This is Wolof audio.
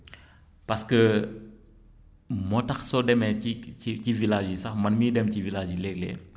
parce que moo tax soo demee ci ci ci villages yi sax man miy dem ci village léeg-léeg